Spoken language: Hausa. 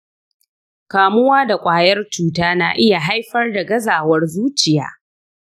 kamuwa da ƙwayar cuta na iya haifar da gazawar zuciya?